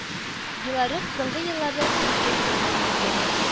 Белорет соңгы елларда күзгә күренеп үзгәрә